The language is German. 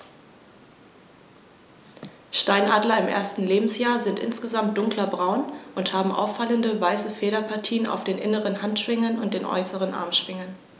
Steinadler im ersten Lebensjahr sind insgesamt dunkler braun und haben auffallende, weiße Federpartien auf den inneren Handschwingen und den äußeren Armschwingen.